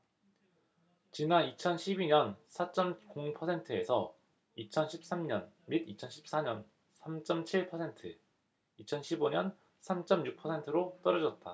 지난 이천 십 이 년 사 쩜 공 퍼센트에서 이천 십 삼 년 및 이천 십 사 년 삼 쩜 칠 퍼센트 이천 십 오 년 삼 쩜 육 퍼센트로 떨어졌다